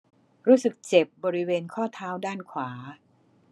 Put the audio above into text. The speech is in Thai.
รู้สึกเจ็บบริเวณข้อเท้าด้านขวา